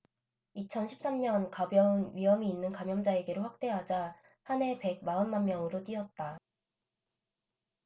이천 십 삼 년 가벼운 위염이 있는 감염자에게로 확대하자 한 해 백 마흔 만명으로 뛰었다